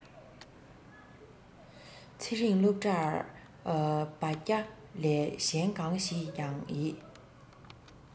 ཚེ རིང སློབ གྲྭར འབ བརྒྱ ལས གཞན གང ཞིག ཡང ཡི